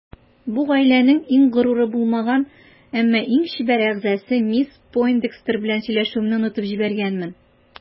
Бу гаиләнең иң горуры булмаган, әмма иң чибәр әгъзасы мисс Пойндекстер белән сөйләшүемне онытып җибәргәнмен.